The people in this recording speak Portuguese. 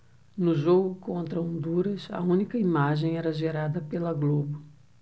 no jogo contra honduras a única imagem era gerada pela globo